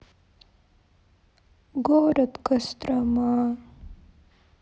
город кострома